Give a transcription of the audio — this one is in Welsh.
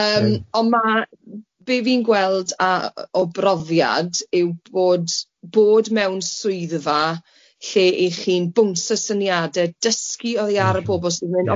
Yym ond ma' be fi'n gweld a- o brofiad yw bod bod mewn swyddfa lle 'y chi'n bownsio syniade, dysgu oddi ar y bobol sy'n mynd